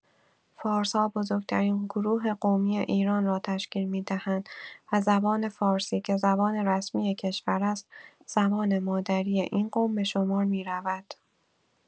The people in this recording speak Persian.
فارس‌ها بزرگ‌ترین گروه قومی ایران را تشکیل می‌دهند و زبان فارسی، که زبان رسمی کشور است، زبان مادری این قوم به شمار می‌رود.